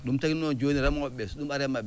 ɗum tagi noon jooni remooɓe ɓee so ɗum arii e maɓɓe